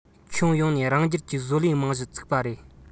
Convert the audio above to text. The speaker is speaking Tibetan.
ཁྱོན ཡོངས ནས རང རྒྱལ གྱི བཟོ ལས རྨང གཞི བཙུགས པ རེད